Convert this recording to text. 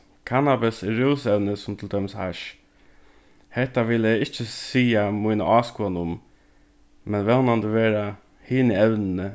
kannabis er rúsevni sum til dømis hassj hetta vil eg ikki siga mína áskoðan um men vónandi verða hini evnini